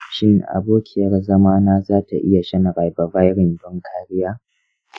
shin abokiyar zamana zata iya shan ribavirin don kariya?